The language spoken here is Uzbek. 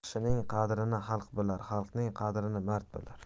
baxshining qadrini xalq bilar xalqning qadrini mard bilar